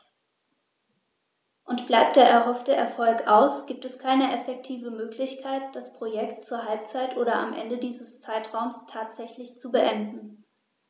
Und bleibt der erhoffte Erfolg aus, gibt es keine effektive Möglichkeit, das Projekt zur Halbzeit oder am Ende dieses Zeitraums tatsächlich zu beenden.